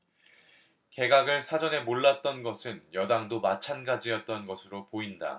개각을 사전에 몰랐던 것은 여당도 마찬가지 였던 것으로 보인다